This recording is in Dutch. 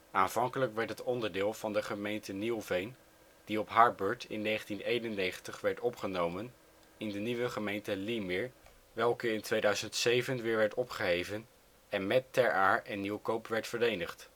Aanvankelijk werd het onderdeel van de gemeente Nieuwveen, die op haar beurt in 1991 werd opgenomen in de nieuwe gemeente Liemeer, welke in 2007 weer werd opgeheven en met Ter Aar en Nieuwkoop werd verenigd